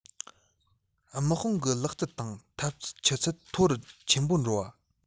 དམག དཔུང གི ལག རྩལ དང འཐབ རྩལ ཆུ ཚད མཐོ རུ ཆེན པོ འགྲོ བ